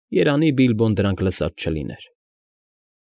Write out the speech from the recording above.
Երանի Բիլբոն դրանք լսած չլիներ։